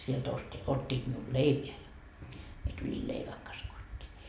sieltä osti ottivat minulle leipää ja minä tulin leivän kanssa kotiin